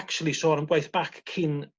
actually sôn am gwaith bac cin